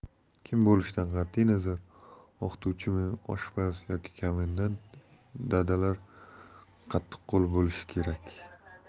kim bo'lishidan qat'i nazar o'qituvchimi oshpaz yoki komendant dadalar qattiqqo'l bo'lishi kerak